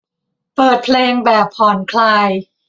เปิดเพลงแบบผ่อนคลาย